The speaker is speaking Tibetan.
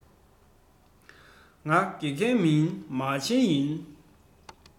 ང དགེ རྒན མིན མ བྱན ཡིན